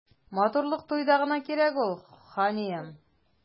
Матурлык туйда гына кирәк ул, ханиям.